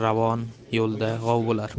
ravon yo'lda g'ov bo'lar